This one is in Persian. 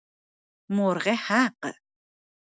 مرغ‌حق